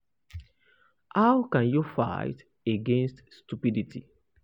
How can you fight against stupidity?